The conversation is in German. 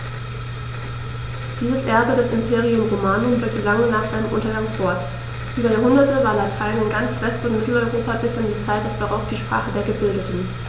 Dieses Erbe des Imperium Romanum wirkte lange nach seinem Untergang fort: Über Jahrhunderte war Latein in ganz West- und Mitteleuropa bis in die Zeit des Barock die Sprache der Gebildeten.